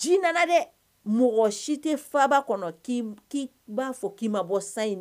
Ji nana dɛ, mɔgɔ si tɛ faaba kɔnɔ k'i k'i b'a fɔ k'i ma bɔ sa in